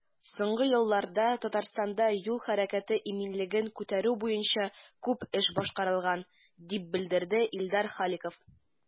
Соңгы елларда Татарстанда юл хәрәкәте иминлеген күтәрү буенча күп эш башкарылган, дип белдерде Илдар Халиков.